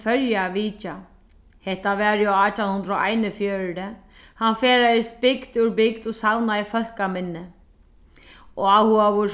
føroya at vitja hetta var í átjan hundrað og einogfjøruti hann ferðaðist bygd úr bygd og savnaði fólkaminni áhugaður